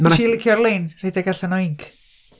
Wnes i licio'r lein, 'rhedeg allan o inc.'